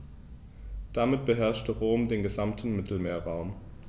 Damit beherrschte Rom den gesamten Mittelmeerraum.